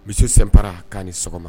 Misi senp para k'a ni sɔgɔma